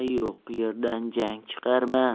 yo'q yerdan jang chiqarma